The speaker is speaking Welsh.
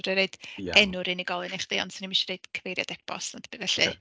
Fedra i roid enw'r unigolyn i chdi, ond 'swn i'm isio roid cyfeiriad e-bost na ddim byd felly.